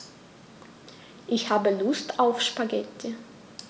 Ich habe Lust auf Spaghetti.